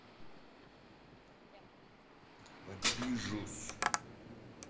обижусь